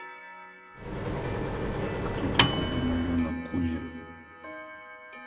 кто такой домовенок кузя